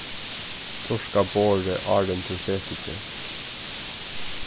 turka borðið áðrenn tú setur teg